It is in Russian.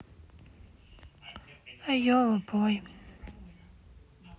айова пой